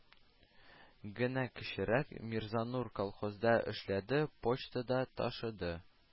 Генә кечерәк мирзанур колхозда эшләде, почта да ташыды